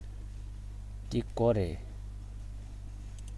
འདི སྒོ རེད